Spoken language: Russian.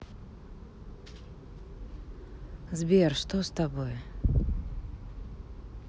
сбер что с тобой